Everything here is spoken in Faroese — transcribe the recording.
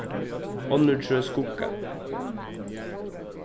onnur trø skugga